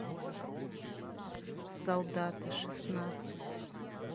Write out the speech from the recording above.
солдаты шестнадцать